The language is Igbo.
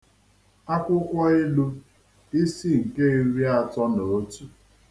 Akwụkwọ Ilu, isi nke iri atọ na otu.